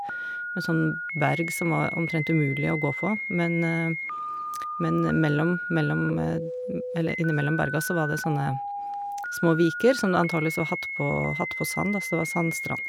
Med sånn berg som var omtrent umulig å gå på, men men mellom mellom eller innimellom berga så var det sånne små viker som det antageligvis var hatt på hatt på sand, da, så det var sandstrand.